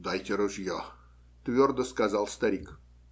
- Дайте ружье, - твердо сказал старик.